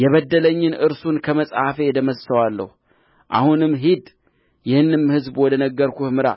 የበደለኝን እርሱን ከመጽሐፌ እደመስሰዋለሁ አሁንም ሂድ ይህንም ሕዝብ ወደ ነገርሁህ ምራ